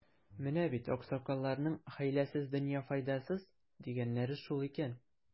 Менә бит, аксакалларның, хәйләсез — дөнья файдасыз, дигәннәре шул икән.